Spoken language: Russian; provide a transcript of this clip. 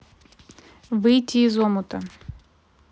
выйти из омута